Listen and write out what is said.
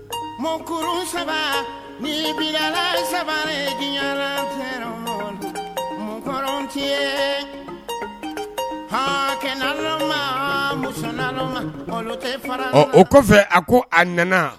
Mu saba ni saba muɔrɔnti hakɛnɛ mu fara o kɔfɛ a ko a nana